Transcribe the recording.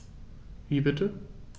Wie bitte?